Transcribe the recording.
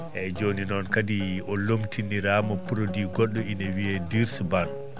eeyi jooni noon kadi o lomtiniraama produit goɗɗo ine wiyee dustbane